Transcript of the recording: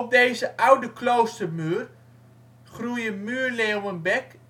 deze oude kloostermuur groeien muurleeuwenbek